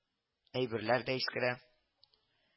Әйберләр дә искерә